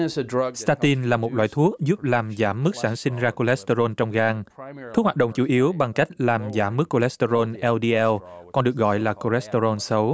sờ ta tin là một loại thuốc giúp làm giảm mức sản sinh ra cô lét tơ rôn trong gan thuốc hoạt động chủ yếu bằng cách làm giảm mức cô lét tơ rôn eo đi eo còn được gọi là cô lét tơ rôn xấu